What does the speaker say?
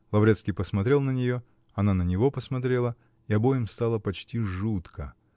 Лаврецкий посмотрел на нее, она на него посмотрела -- и обоим стало почти жутко.